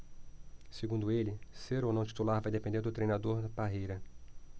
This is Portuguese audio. segundo ele ser ou não titular vai depender do treinador parreira